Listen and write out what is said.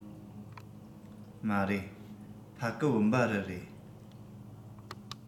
མ རེད ཕ གི བུམ པ རི རེད